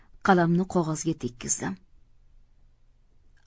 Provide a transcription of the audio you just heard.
qalamni qog'ozga tekkizdim